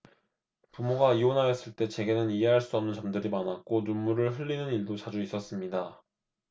부모가 이혼하였을 때 제게는 이해할 수 없는 점들이 많았고 눈물을 흘리는 일도 자주 있었습니다